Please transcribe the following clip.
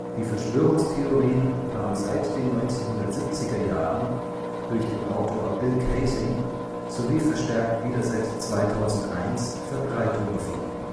Die Verschwörungstheorien haben seit den 1970er-Jahren durch den Autor Bill Kaysing – sowie verstärkt wieder seit 2001 – Verbreitung gefunden